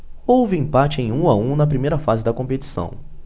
houve empate em um a um na primeira fase da competição